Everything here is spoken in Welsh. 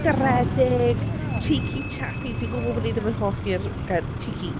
Garedig. Cheeky chappy dwi'n gwybod bod ni ddim yn hoffi'r gair cheeky.